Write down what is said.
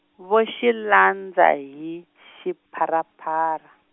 vo xi landza hi, xiparapara.